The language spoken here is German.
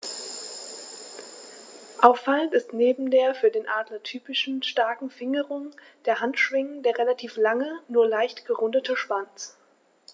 Auffallend ist neben der für Adler typischen starken Fingerung der Handschwingen der relativ lange, nur leicht gerundete Schwanz.